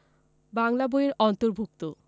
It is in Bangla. বাংলা বই এর অন্তর্ভুক্ত